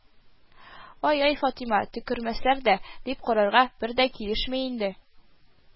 Ай-яй, Фатыйма, «төкермәсләр дә» дип карарга бер дә килешми инде